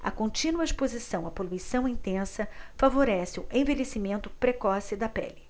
a contínua exposição à poluição intensa favorece o envelhecimento precoce da pele